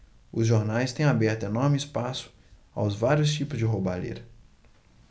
os jornais têm aberto enorme espaço aos vários tipos de roubalheira